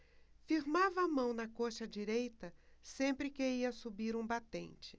firmava a mão na coxa direita sempre que ia subir um batente